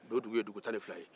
do dugu ye dugu tan ni fila ye